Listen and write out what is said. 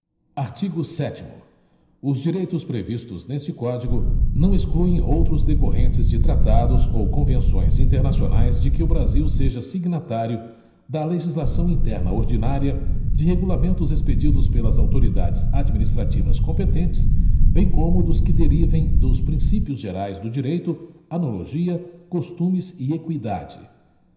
artigo setimo os direitos previstos neste código não excluem outros decorrentes de tratados ou convenções internacionais de que o brasil seja signatário da legislação interna ordinária de regulamentos expedidos pelas autoridades administrativas competentes bem como dos que derivem dos princípios gerais do direito analogia costumes e equidade